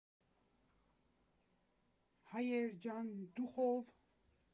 Հայեր ջա՜ն, դուխո՜վ։